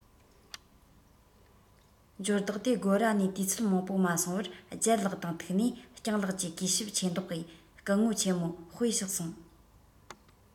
འབྱོར བདག དེའི སྒོ ར ནས དུས ཚོད མང པོ མ སོང བར ལྗད ལགས དང ཐུག ནས སྤྱང ལགས ཀྱིས གུས ཞབས ཆེ མདོག གིས སྐུ ངོ ཆེན མོ དཔེ བསགས སོང